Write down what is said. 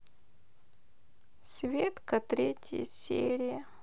светка третья серия